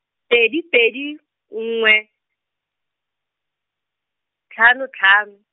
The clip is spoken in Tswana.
pedi pedi , nngwe, tlhano tlhano.